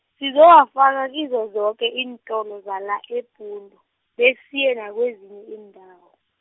sizowafaka kizo zoke iintolo zala eBhundu, besiye nakwezinye iindawo.